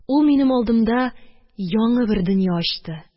Ул минем алдымда яңы бер дөнья ачты.